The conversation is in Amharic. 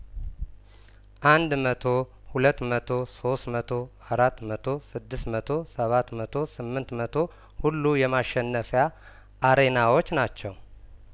አንድ መቶ ሁለት መቶ ሶስት መቶ አራት መቶ ስድስት መቶ ሰባት መቶ ስምንት መቶ ሁሉ የማሸነፊያ አሬናዎች ናቸው